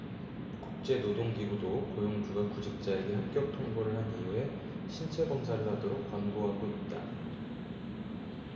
국제노동기구도 고용주가 구직자에게 합격 통보를 한 이후에 신체검사를 하도록 권고하고 있다